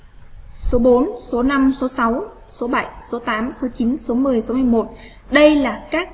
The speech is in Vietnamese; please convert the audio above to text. số số số số số số số số